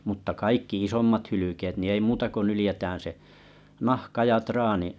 mutta kaikki isommat hylkeet niin ei muuta kuin nyljetään se nahka ja traani